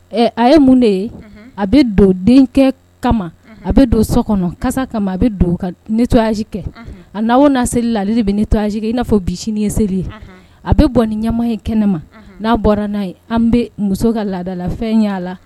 Ɛ a ye mun de ye a bɛ don denkɛ kama a bɛ don so kɔnɔ kasa kama a to kɛ a n'aw o na seli la ale de bɛ tojge i n'a fɔ siniinin ye selieli ye a bɛ bɔ ni ɲamama ye kɛnɛ ma n'a bɔra n'a ye an bɛ muso ka laadadala fɛn ɲɛ la